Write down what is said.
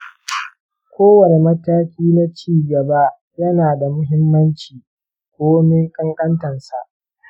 kowane mataki na ci gaba yana da muhimmanci, komin ƙanƙantarsa.